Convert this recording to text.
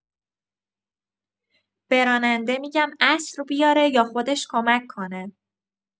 به راننده می‌گم عصر بیاره یا خودش کمک کنه.